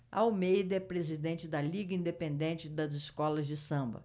almeida é presidente da liga independente das escolas de samba